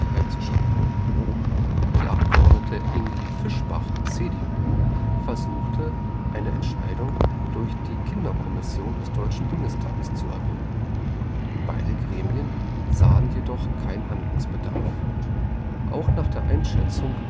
einzuschreiten. Die Abgeordnete Ingrid Fischbach (CDU) versuchte, eine Entscheidung durch die Kinderkommission des Deutschen Bundestages zu erwirken. Beide Gremien sahen jedoch keinen Handlungsbedarf. Auch nach der Einschätzung